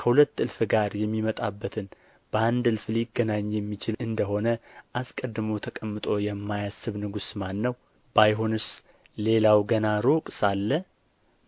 ከሁለት እልፍ ጋር የሚመጣበትን በአንድ እልፍ ሊገናኝ የሚችል እንደ ሆነ አስቀድሞ ተቀምጦ የማያስብ ንጉሥ ማን ነው ባይሆንስ ሌላው ገና ሩቅ ሳለ